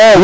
a